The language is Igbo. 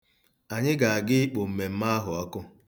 Anyị ga-aga ikpo mmemme ahụ ọkụ.